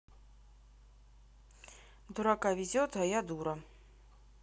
дурака везет а я дура